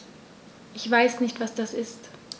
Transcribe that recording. Ich weiß nicht, was das ist.